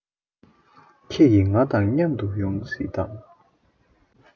ཁྱེད ཀྱི ང དང མཉམ དུ ཡོང སྲིད དམ